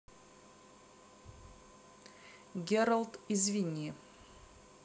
gerald извини